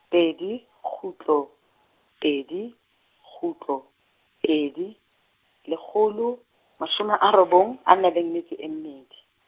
pedi kgutlo pedi, kgutlo pedi, lekgolo mashome a robong a na leng metso e mmedi.